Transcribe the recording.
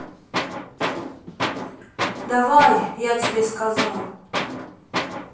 давай я тебе сказал